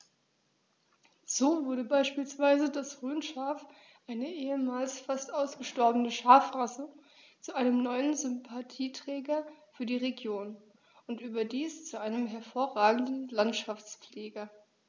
So wurde beispielsweise das Rhönschaf, eine ehemals fast ausgestorbene Schafrasse, zu einem neuen Sympathieträger für die Region – und überdies zu einem hervorragenden Landschaftspfleger.